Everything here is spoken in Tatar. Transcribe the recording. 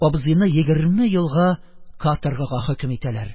Абзыйны егерме елга каторгага хөкем итәләр.